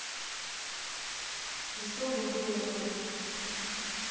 и чтобы было бы